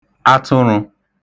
atụrụ̄